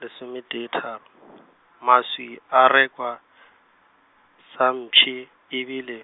lesometee tharo , maswi a rekwa , sampshi, ebile ,